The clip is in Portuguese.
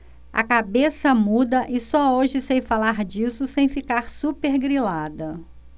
a cabeça muda e só hoje sei falar disso sem ficar supergrilada